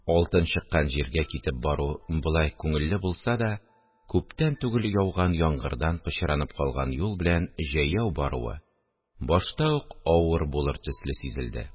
Алтын чыккан җиргә китеп бару болай күңелле булса да, күптән түгел яуган яңгырдан пычранып калган юл белән җәяү баруы башта ук авыр булыр төсле сизелде